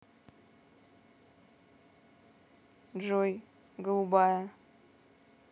джой голубая